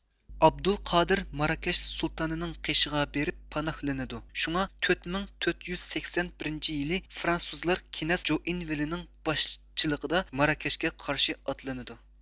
ئابدۇل قادىر ماراكەش سۇلتانىنىڭ قېشىغا بېرىپ پاناھلىنىدۇ شۇڭا تۆت مىڭ تۆت يۈز سەكسەن بىرىنچى يىلى فرانسۇزلار كېنەز جوئىنۋىلېنىڭ باشچىلىقىدا ماراكەشكە قارشى ئاتلىنىدۇ